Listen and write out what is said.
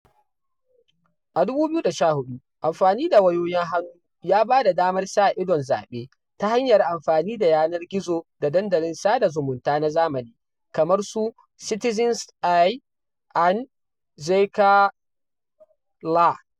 A 2014, amfani da wayoyin hannu ya ba da damar sa-idon zaɓe ta hanyar amfani da yanar gizo da dandalin sada zamunta na zamani kamar su 'Citizen's Eye and Txeka-lá'.